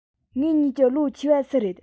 ངེད གཉིས ཀྱི ལོ ཆེ བ སུ རེད